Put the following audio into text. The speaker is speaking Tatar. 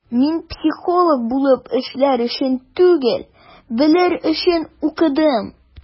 Мин психолог булып эшләр өчен түгел, белер өчен укыдым.